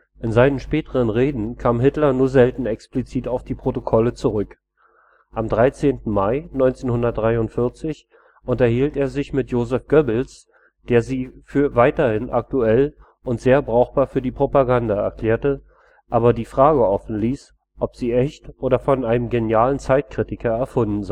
In seinen späteren Reden kam Hitler nur selten explizit auf die Protokolle zurück. Am 13. Mai 1943 unterhielt er sich mit Joseph Goebbels, der sie für weiterhin aktuell und sehr brauchbar für die Propaganda erklärte, aber die Frage offenließ, ob sie echt oder „ von einem genialen Zeitkritiker erfunden